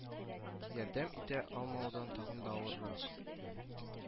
Ярдәм итә алмаудан тагын да авыррак